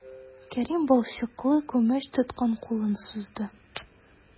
Кәрим балчыклы күмәч тоткан кулын сузды.